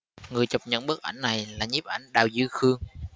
người chụp những bức ảnh này là nhiếp ảnh đào duy khương